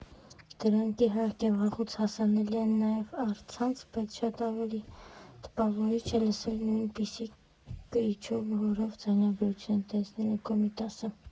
Դրանք, իհարկե, վաղուց հասանելի են նաև առցանց, բայց շատ ավելի տպավորիչ է լսել նույնպիսի կրիչով, որով ձայնագրությունը տեսել է Կոմիտասը։